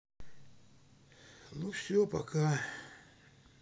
ну все пока